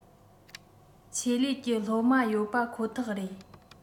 ཆེད ལས ཀྱི སློབ མ ཡོད པ ཁོ ཐག རེད